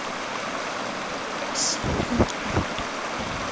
семен альтов